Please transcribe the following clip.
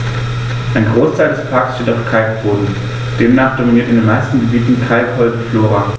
Ein Großteil des Parks steht auf Kalkboden, demnach dominiert in den meisten Gebieten kalkholde Flora.